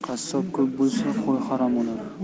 qassob ko'p bo'lsa qo'y harom o'lar